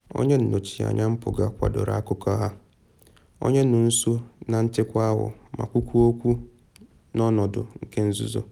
Onye nyocha mpụga kwadoro akụkọ ha, onye nọ nso na nchịkwa ahụ ma kwukwaa okwu n’ọnọdụ nke nzuzo.